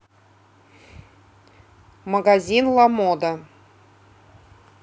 магазин ламода